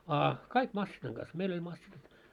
a kaikki masiinan kanssa meillä oli masiinat